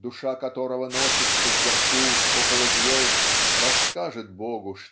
душа которого носится вверху около звезд расскажет Богу